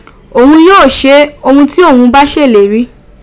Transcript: Oun yoo see. Ohun ti Oun ba se leri